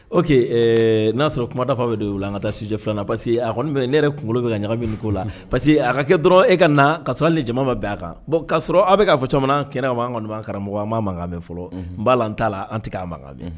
O n'a sɔrɔ kumadafa de don la an ka taa stujɛ filanan parce que ne yɛrɛ kunkolo bɛ ka ɲaga min' la parce que a ka kɛ dɔrɔn e ka na kasɔrɔ ni jama ma bɛn a kan'a sɔrɔ aw bɛ'a fɔ caman kɛnɛ karamɔgɔmɔgɔ an ma mankan bɛ n b'a la t'a la an tɛ k'